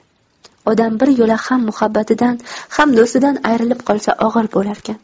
odam bir yo'la ham muhabbatidan ham do'stidan ayrilib qolsa og'ir bo'larkan